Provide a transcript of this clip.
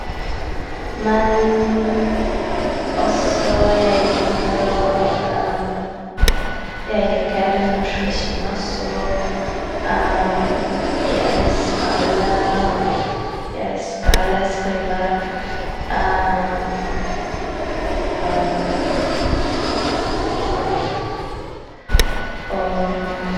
men Og så jeg liker å jeg liker norske kino, så jeg skal jeg skal skrive om...